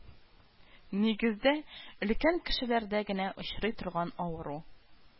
Нигездә, өлкән кешеләрдә генә очрый торган авыру